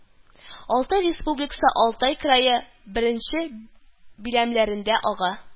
Алтай Республикасы, Алтай крае бер биләмәләрендә ага